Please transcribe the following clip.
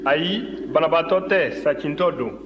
ayi banabaatɔ tɛ sacintɔ don